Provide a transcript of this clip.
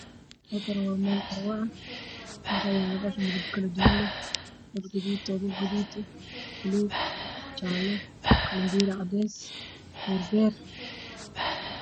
Halkaan waa meel carwo ah waxaa yaalo dhar midabo kale duwan leh toobab gaduud ah, buluug, qalin, beer iyo cadeys.